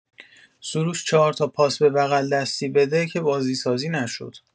سروش چهار تا پاس به بغل‌دستی بده که بازی‌سازی نشد.